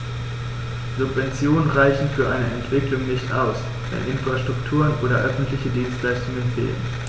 Subventionen reichen für eine Entwicklung nicht aus, wenn Infrastrukturen oder öffentliche Dienstleistungen fehlen.